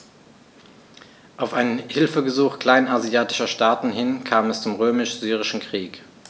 Auf ein Hilfegesuch kleinasiatischer Staaten hin kam es zum Römisch-Syrischen Krieg.